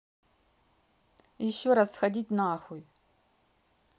еще раз сходить на хуй